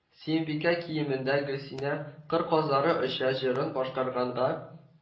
Сөембикә киемендә Гөлсинә “Кыр казлары оча…” җырын башкарганга